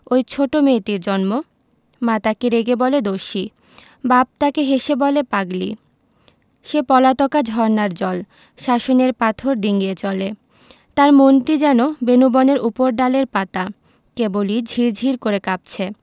ঐ ছোট মেয়েটির জন্ম মা তাকে রেগে বলে দস্যি বাপ তাকে হেসে বলে পাগলি সে পলাতকা ঝরনার জল শাসনের পাথর ডিঙ্গিয়ে চলে তার মনটি যেন বেনূবনের উপরডালের পাতা কেবলি ঝির ঝির করে কাঁপছে